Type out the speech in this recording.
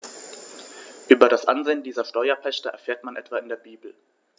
Über das Ansehen dieser Steuerpächter erfährt man etwa in der Bibel.